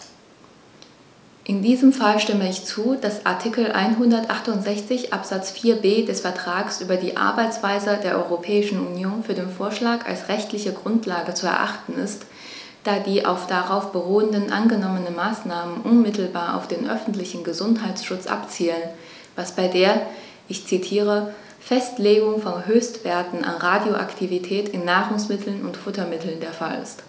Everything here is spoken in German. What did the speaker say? In diesem Fall stimme ich zu, dass Artikel 168 Absatz 4b des Vertrags über die Arbeitsweise der Europäischen Union für den Vorschlag als rechtliche Grundlage zu erachten ist, da die auf darauf beruhenden angenommenen Maßnahmen unmittelbar auf den öffentlichen Gesundheitsschutz abzielen, was bei der - ich zitiere - "Festlegung von Höchstwerten an Radioaktivität in Nahrungsmitteln und Futtermitteln" der Fall ist.